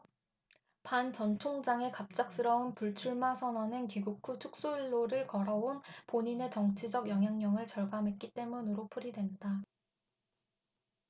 반 전총장의 갑작스러운 불출마선언은 귀국 후 축소일로를 걸어 온 본인의 정치적 영향력을 절감했기 때문으로 풀이된다